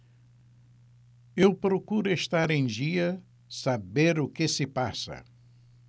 eu procuro estar em dia saber o que se passa